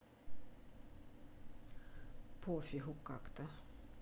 пофигу как то